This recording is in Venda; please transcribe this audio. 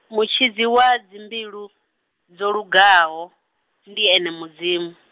mutshidzi wa dzimbilu, dzolugaho, ndi ene Mudzimu.